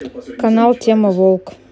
канал тема волк